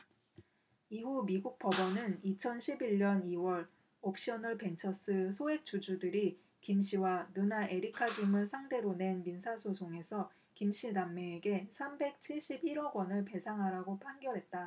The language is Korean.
이후 미국 법원은 이천 십 일 년 이 월 옵셔널벤처스 소액주주들이 김씨와 누나 에리카 김을 상대로 낸 민사소송에서 김씨 남매에게 삼백 칠십 일 억원을 배상하라고 판결했다